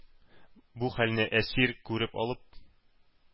Бу хәлне Әсир күреп алып,